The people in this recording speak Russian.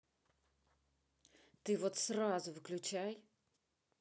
ты вот сразу выключайте